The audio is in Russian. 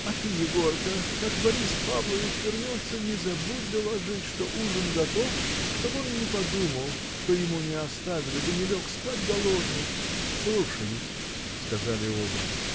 — А ты, Егорка, как Борис Павлович вернется, не забудь доложить, что ужин готов, чтоб он не подумал, что ему не оставили, да не лег спать голодный! — Слушаю-с, — сказали оба.